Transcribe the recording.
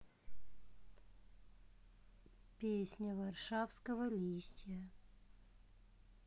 песня варшавского листья